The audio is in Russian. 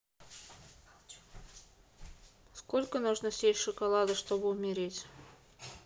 сколько нужно съесть шоколада чтобы умереть